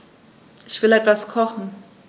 Ich will etwas kochen.